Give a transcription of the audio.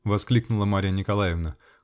-- воскликнула Марья Николаевна.